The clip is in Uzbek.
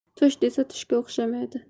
tush desa tushga o'xshamaydi